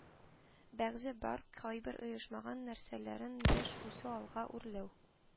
Бәгъзе бер (кайбер) оешмаган нәрсәләрен яшь, үсү, алга үрләү